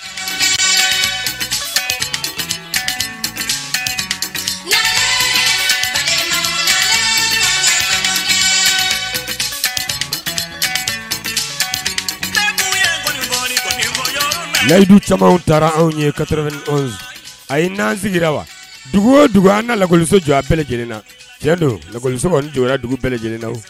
Yayidu camanw taara anw ye ka a na sigira wa dugu o dugu an na lakɔliso jɔ a bɛɛ lajɛlen na cɛ don lakɔliso jɔyara dugu bɛɛlɛ lajɛlenna